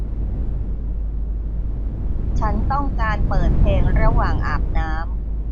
ฉันต้องการเปิดเพลงระหว่างอาบน้ำ